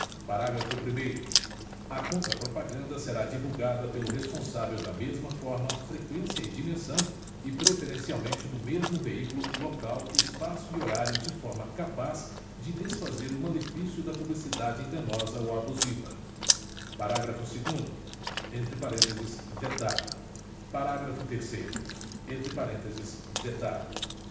parágrafo primeiro a contrapropaganda será divulgada pelo responsável da mesma forma frequência e dimensão e preferencialmente no mesmo veículo local espaço e horário de forma capaz de desfazer o malefício da publicidade enganosa ou abusiva parágrafo segundo entre parênteses vetado parágrafo terceiro entre parênteses vetado